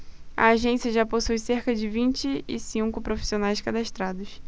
a agência já possui cerca de vinte e cinco profissionais cadastrados